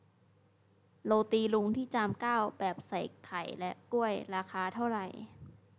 โรตีลุงที่จามเก้าแบบใส่ไข่และกล้วยราคาเท่าไหร่